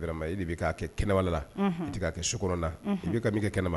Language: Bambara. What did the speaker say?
G ye de bɛ k'a kɛ kɛnɛwalela i' kɛ sokɔrɔn la i bɛ ka min kɛ kɛnɛma